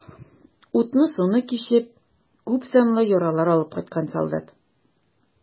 Утны-суны кичеп, күпсанлы яралар алып кайткан солдат.